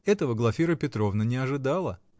Этого Глафира Петровна не ожидала.